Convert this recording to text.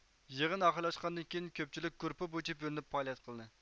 يىغىن ئاخىرلاشقاندىن كېيىن كۆپچىلىك گۇرۇپپا بويىچە بۆلۈنۈپ پائالىيەت قىلدى